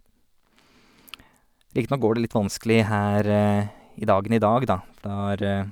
Riktignok går det litt vanskelig her i dagen i dag da, for da har...